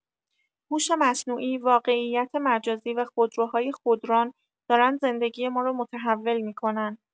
هوش مصنوعی، واقعیت مجازی و خودروهای خودران دارن زندگی مارو متحول می‌کنن.